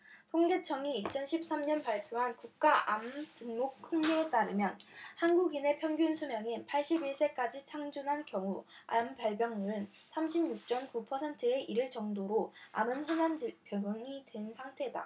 통계청이 이천 십 삼 년 발표한 국가암등록통계에 따르면 한국인의 평균수명인 팔십 일 세까지 생존할 경우 암발병률은 삼십 육 쩜 구 퍼센트에 이를 정도로 암은 흔한 병이 된 상태다